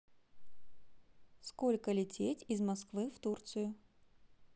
сколько лететь из москвы в турцию